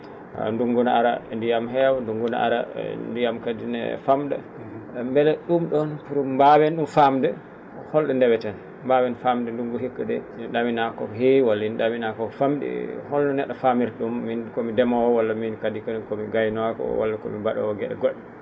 ndunngu no ara ndiyam heewa ndunngu no ara ndiyam kadi no fam?a mbele ?um ?oon pour mbaawen ?um faamde hol?o ndeweten mbaawen faamde ndunngu hikka de ina ?aminaa ko ko heewi walla ina ?aminaa ko fam?i e holno ne??o faamirta ?um min ko mi ndemoowo walla miin kadi ko mi ngaynaako walla ko mi mba?oowo ge?e go??e